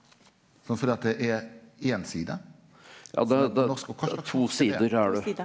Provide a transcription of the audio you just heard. sant fordi at det er éin side som er på norsk og kva slags ?